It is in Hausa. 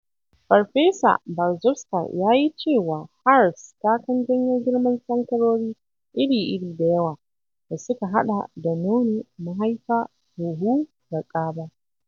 Farfesa Berzofsky ya yi cewa HERS takan "janyo girman sankarori iri-iri da yawa," da suka haɗa da nono, mahaifa, huhu da ƙaba.